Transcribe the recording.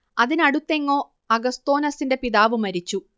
അതിനടുത്തെങ്ങോ അഗസ്തോസിന്റെ പിതാവ് മരിച്ചു